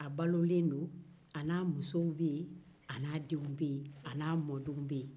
a balolen don an'a muso be yen an'a denw bɛ yen an'a mɔdenw bɛ yen